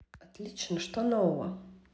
отлично что нового